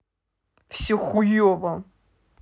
все хуево